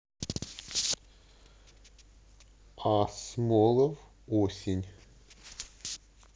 а смолов осень